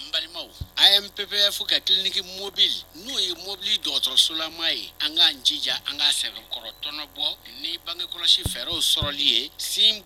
N balimaw A M P P E-F . ka clinique mobile n'o ye mobile dɔgɔtɔrɔsolama ye, an k'an jija an k'a sɛbɛkɔrɔ tɔnɔ bɔ ni bange kɔlɔsi fɛɛrɛ sɔrɔli ye